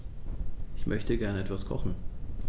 Ich möchte gerne etwas kochen.